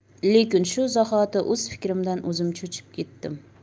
lekin shu zahoti o'z fikrimdan o'zim cho'chib ketdim